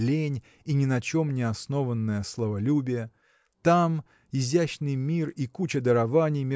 лень и ни на чем не основанное славолюбие там изящный мир и куча дарований